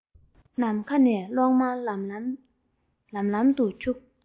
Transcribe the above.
ནམ མཁའ ནས གློག དམར ལམ ལམ དུ འཁྱུག